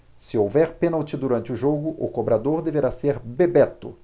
se houver pênalti durante o jogo o cobrador deverá ser bebeto